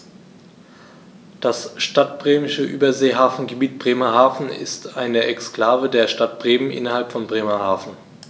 Das Stadtbremische Überseehafengebiet Bremerhaven ist eine Exklave der Stadt Bremen innerhalb von Bremerhaven.